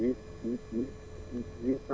ah 824